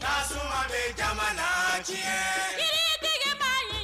Sabamini jama na diɲɛ jigitigi bbaa